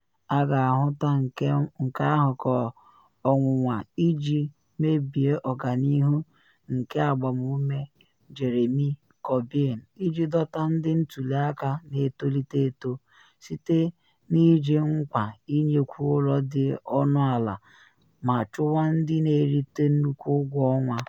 A ga-ahụta nke ahụ ka ọnwụnwa iji mebie ọganihu nke agbamume Jeremy Corbyn iji dọta ndị ntuli aka na etolite eto site na iji nkwa ịnyekwu ụlọ dị ọnụ ala ma chụwa ndị na erite nnukwu ụgwọ ọnwa.